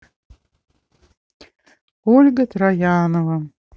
ольга троянова